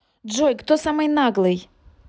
джой кто самый наглый